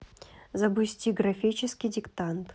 запусти графический диктант